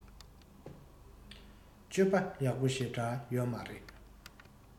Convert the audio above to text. སྤྱོད པ ཡག པོ ཞེ དྲགས ཡོད མ རེད